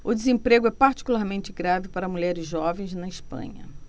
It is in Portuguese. o desemprego é particularmente grave para mulheres jovens na espanha